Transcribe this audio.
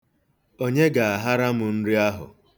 Onye ga-ahara m nri ahụ?